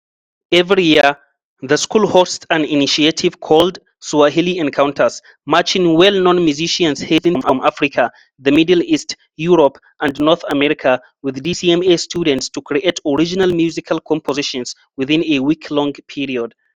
Every year, the school hosts an initiative called "Swahili Encounters", matching well-known musicians hailing from Africa, the Middle East, Europe and North America with DCMA students to create original musical compositions within a week-long period.